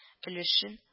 Өлешен